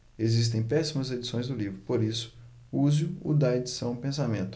existem péssimas edições do livro por isso use o da edição pensamento